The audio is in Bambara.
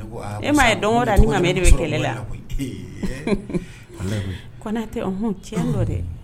E ma ye don o don a ni hamidu bɛ kɛlɛ la. Unhun. Ɔnhɔn Konate tiɲɛ don dɛ!